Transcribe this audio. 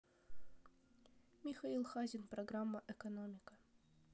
михаил хазин программа экономика